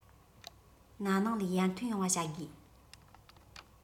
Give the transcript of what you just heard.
ན ནིང ལས ཡར ཐོན ཡོང བ བྱ དགོས